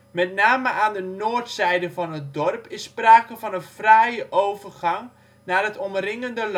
Met name aan de noordzijde van het dorp is sprake van een fraaie overgang naar het omringende